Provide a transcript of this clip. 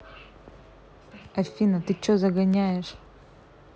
афина ты что загоняешь